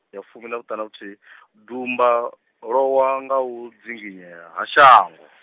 ya vhufumi na vhuthanavhuthihi, dumba lowa nga u dzinginyea ha shango.